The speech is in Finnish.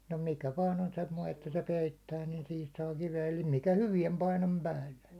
no mikä vain on semmoinen että se peittää niin siihen saa kiveä eli mikä hyvään painon päälle